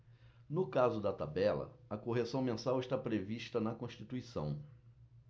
no caso da tabela a correção mensal está prevista na constituição